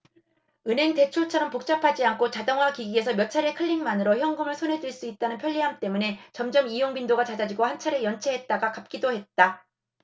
은행 대출처럼 복잡하지 않고 자동화기기에서 몇 차례 클릭만으로 현금을 손에 쥘 수 있다는 편리함 때문에 점점 이용 빈도가 잦아지고 한 차례 연체했다가 갚기도 했다